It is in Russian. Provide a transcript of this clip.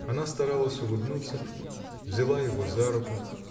Она старалась улыбнуться, взяла его за руку.